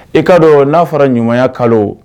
I kaa dɔn n'a fɔra ɲuman kalo